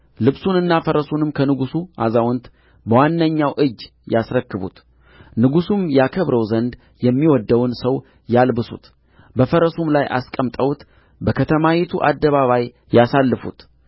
ልብሱንና ፈረሱንም ከንጉሡ አዛውንት በዋነኛው እጅ ያስረክቡት ንጉሡም ያከብረው ዘንድ የሚወድደውን ሰው ያልብሱት በፈረሱም ላይ አስቀምጠውት በከተማይቱ አደባባይ ያሳልፉት